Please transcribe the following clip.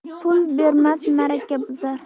pul bermas ma'raka buzar